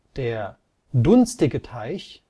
Der " Dunstige Teich